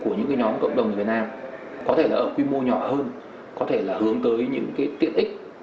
của những nhóm cộng đồng việt nam có thể ở quy mô nhỏ hơn có thể là hướng tới những cái tiện ích